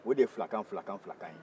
o de ye fila kan fila kan ye